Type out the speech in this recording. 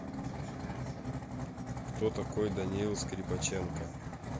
кто такой даниил скрипаченко